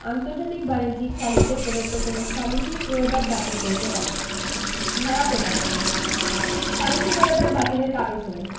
আন্তর্জাতিক বাণিজ্যিক সালিসে প্রদত্ত কোন সালিসী রোয়েদাদ বাতিল করিতে পারিবে ধারা ৪৩ সালিসী রোয়েদাদ বাতিলের কারণসমূহ